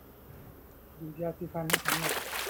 บีบยาสีฟันให้ฉันหน่อย